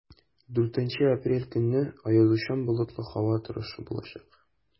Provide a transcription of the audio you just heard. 4 апрель көнне аязучан болытлы һава торышы булачак.